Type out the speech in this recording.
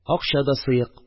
Акча да сыек.